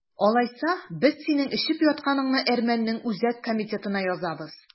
Алайса, без синең эчеп ятканыңны әрмәннең үзәк комитетына язабыз!